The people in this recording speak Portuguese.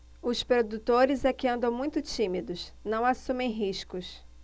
os produtores é que andam muito tímidos não assumem riscos